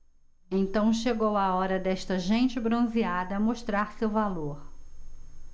então chegou a hora desta gente bronzeada mostrar seu valor